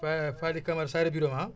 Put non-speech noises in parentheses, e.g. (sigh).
(hesitation) Fally Camara Saare Birame ah